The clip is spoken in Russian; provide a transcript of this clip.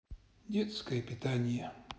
детское питание